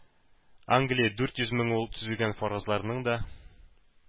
Англия – дүрт йөз меңул төзегән фаразларның да